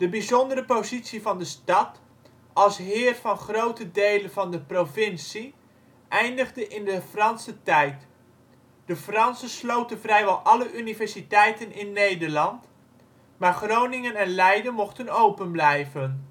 bijzondere positie van de stad, als Heer van grote delen van de provincie, eindigde in de Franse tijd. De Fransen sloten vrijwel alle universiteiten in Nederland, maar Groningen en Leiden mochten open blijven